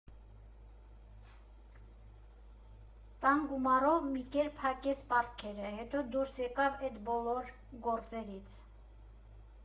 Տան գումարով մի կերպ փակեց պարտքերը, հետո դուրս եկավ էդ բոլոր գործերից…